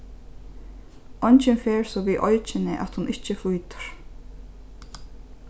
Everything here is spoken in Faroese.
eingin fer so við eikini at hon ikki flýtur